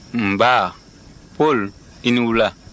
nba pɔl i ni wula